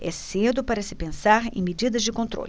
é cedo para se pensar em medidas de controle